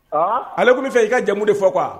Ale tun' fɛ i ka jamumu de fɔ kuwa